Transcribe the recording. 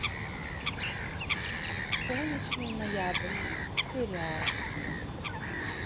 солнечный ноябрь сериал